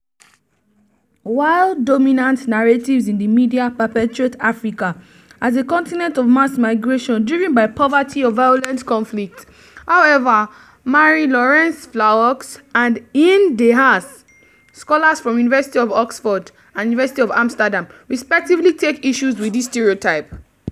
While dominant narratives in the media perpetuate Africa as a continent of mass migration driven by poverty or violent conflict, however, Marie-Laurence Flahaux and Hein De Haas, scholars from University of Oxford and University of Amsterdam, respectively, take issue with this stereotype.